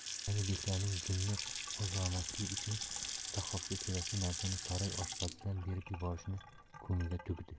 yana beklarning jinini qo'zg'amaslik uchun sahhofga kerakli narsani saroy oshpazidan berib yuborishni ko'ngliga tugdi